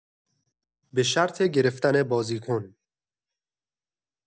به شرط گرفتن بازیکن